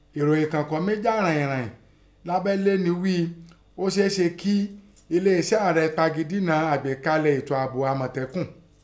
Èròyìn kàn kọ́ mí jà ràìnràìn lábẹ́lẹ̀ ni ghí i, o seé se kí eléeṣẹ́ ààrẹ pagidínà àgbékalẹ̀ ètò ààbò Àmọ̀tẹ́kùn.